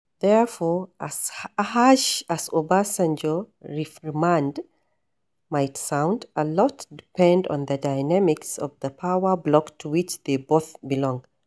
Therefore, as harsh as Obasanjo’s reprimand might sound, a lot depends on the dynamics of the power block to which they both belong.